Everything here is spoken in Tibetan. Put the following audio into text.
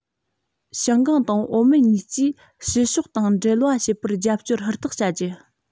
ཞང ཀང དང ཨའོ མོན གཉིས ཀྱིས ཕྱི ཕྱོགས དང འབྲེལ བ བྱེད པར རྒྱབ སྐྱོར ཧུར ཐག བྱ རྒྱུ